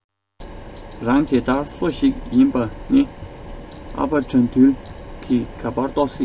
རང དེ དར སོ ཞིག ཡིན པ ནི ཨ ཕ དགྲ འདུལ གི ག པར རྟོག སྲིད